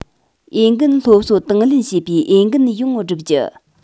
འོས འགན སློབ གསོ དང ལེན བྱེད པའི འོས འགན ཡོང བསྒྲུབ རྒྱུ